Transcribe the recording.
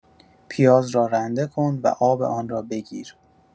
پیاز را رنده کن و آب آن را بگیر.